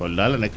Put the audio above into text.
Kolda la nekk